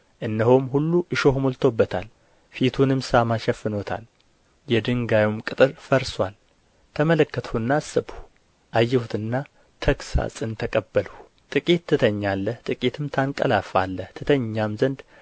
እነሆም ሁሉ እሾህ ሞልቶበታል ፊቱንም ሳማ ሸፍኖታል የድንጋዩም ቅጥር ፈርሶአል ተመለከትሁና አሰብሁ አየሁትና ተግሣጽን ተቀበልሁ ጥቂት ትተኛለህ ጥቂትም ታንቀላፋለህ ትተኛም ዘንድ